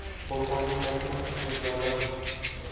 qo'rg'onga qaytmang amirzodam